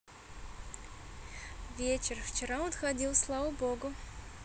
вечер вчера он ходил слава богу